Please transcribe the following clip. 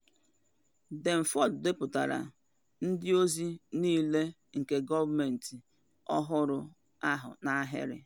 Denford depụtara ndị ozi niile nke gọọmentị ọhụrụ ahụ n'ahịrị.